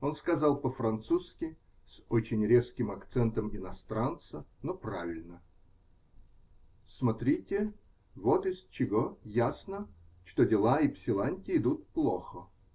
Он сказал по-французски, с очень резким акцентом иностранца, но правильно: -- Смотрите, вот из чего ясно, что дела Ипсиланти идут плохо.